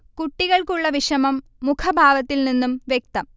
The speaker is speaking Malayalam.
കുട്ടികൾക്കുള്ള വിഷമം മുഖഭാവത്തിൽ നിന്നും വ്യക്തം